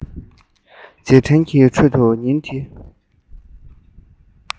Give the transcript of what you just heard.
རྗེས དྲན གྱི ཁྲོད དུ ཉིན དེ